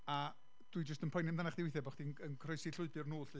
A, dwi jyst yn poeni amdanach chdi weithiau bod chdi'n yn croesi llwybr nhw 'lly.